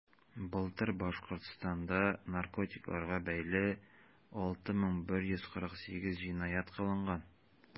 Былтыр Башкортстанда наркотикларга бәйле 6148 җинаять кылынган.